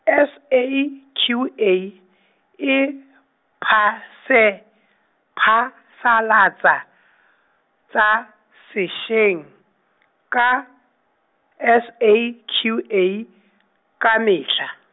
S A Q A, e, phase-, phasalatsa, tsa, sesheng, ka, S A Q A, ka metlha.